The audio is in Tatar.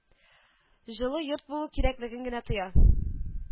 Җылы йорт булу кирәклеген генә тоя